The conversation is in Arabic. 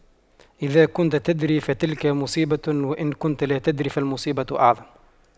إذا كنت تدري فتلك مصيبة وإن كنت لا تدري فالمصيبة أعظم